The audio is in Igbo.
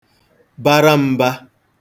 bara m̄bā